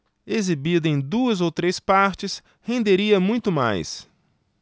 exibida em duas ou três partes renderia muito mais